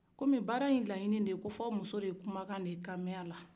komin baara laɲini ye ko fɔ muso de kukan ka min a la